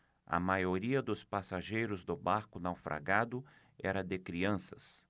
a maioria dos passageiros do barco naufragado era de crianças